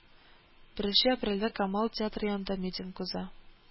Беренче апрельдә камал театры янында митинг уза